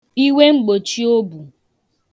iwemgbòchiobù